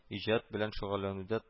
Иҗат белән шөгыльләнүдә